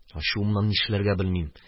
Ачуымнан нишләргә белмим